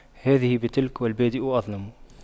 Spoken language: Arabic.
هذه بتلك والبادئ أظلم